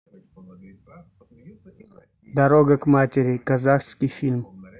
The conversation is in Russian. дорога к матери казахский фильм